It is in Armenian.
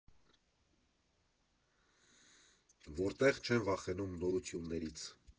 Որտեղ չեն վախենում նորություններից։